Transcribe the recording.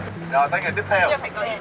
rồi mấy người tiếp theo